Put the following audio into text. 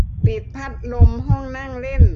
ปิดพัดลมห้องนั่งเล่น